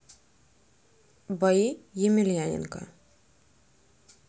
бои емельяненко